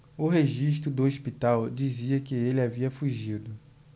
o registro do hospital dizia que ele havia fugido